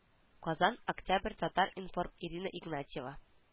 Казан октябрь татар информ ирина игнатьева